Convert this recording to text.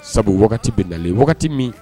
Sabu wagati bɛ nali wagati min